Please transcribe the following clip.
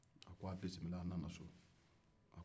a' bisimila a nana so